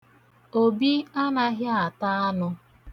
Obi anaghị ata anụ.